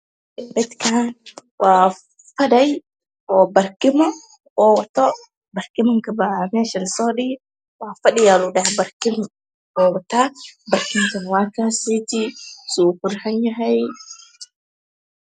Midkaan waa fadhi barkimo wato barkimaha ayaa meesha lasoo dhigay waa fadhi ayaa lagu dhahay barkimo ayuu wataa wakaaseti suu uqurxoonyahay